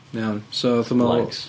Iawn, so wrth yml...